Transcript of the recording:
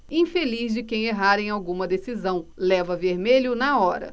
infeliz de quem errar em alguma decisão leva vermelho na hora